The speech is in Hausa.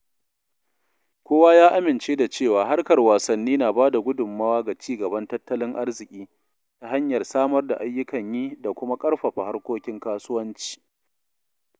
Kowa ya amince da cewa harkar wasanni na ba da gudunmawa ga ci gaban tattalin arziki ta hanyar samar da ayyukan yi da kuma ƙarfafa harkokin kasuwanci.